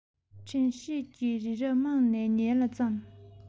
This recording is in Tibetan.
དྲན ཤེས ཀྱི རི རབ རྨང ནས ཉིལ ལ བརྩམས